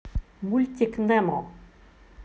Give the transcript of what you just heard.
мультик немо